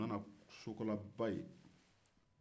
u nana sokalaba ye